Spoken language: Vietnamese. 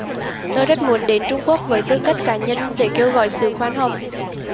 tôi rất muốn đến trung quốc với tư cách cá nhân để kêu gọi sự khoan hồng